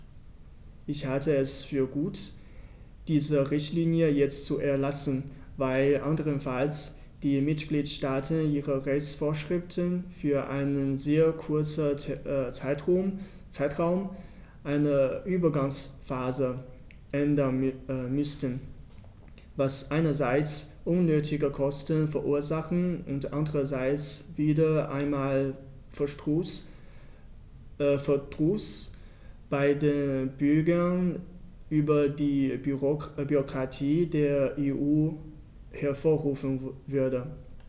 Ich halte es für gut, diese Richtlinie jetzt zu erlassen, weil anderenfalls die Mitgliedstaaten ihre Rechtsvorschriften für einen sehr kurzen Zeitraum, eine Übergangsphase, ändern müssten, was einerseits unnötige Kosten verursachen und andererseits wieder einmal Verdruss bei den Bürgern über die Bürokratie der EU hervorrufen würde.